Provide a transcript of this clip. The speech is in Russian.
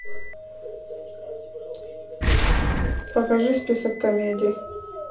покажи список комедий